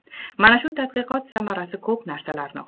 mana shu tadqiqot samarasi ko'p narsalarni